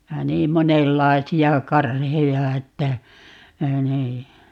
ja niin monenlaisia karheja että niin